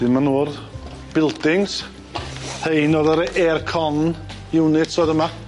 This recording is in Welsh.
Dyma nw'r buildings rhein o'dd yr air con units oedd yma.